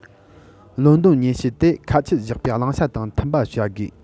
བློ འདོན སྙན ཞུ དེ ཁ ཆད བཞག པའི བླང བྱ དང མཐུན པ བྱ དགོས